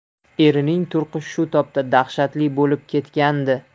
erining turqi shu topda dahshatli bo'iib ketgandi